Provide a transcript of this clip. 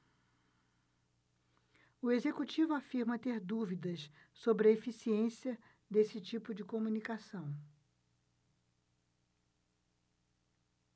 o executivo afirma ter dúvidas sobre a eficiência desse tipo de comunicação